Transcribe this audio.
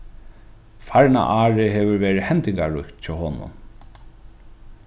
farna árið hevur verið hendingaríkt hjá honum